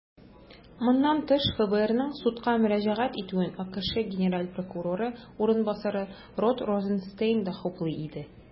Моннан тыш, ФБРның судка мөрәҗәгать итүен АКШ генераль прокуроры урынбасары Род Розенстейн да хуплый иде.